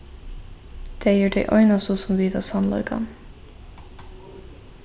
tey eru tey einastu sum vita sannleikan